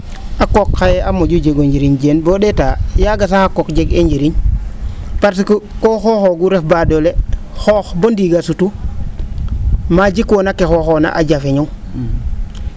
a qooq xaye mo?u jego njiriñ Diene bo ?eeta yaaga sax a qooq jeg e njiriñ parce que koo xooxoogu ref baadoola xoox bo ndiig a sutu maa jik woona ke xooxoona a jefeñong